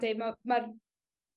...deud ma' ma'r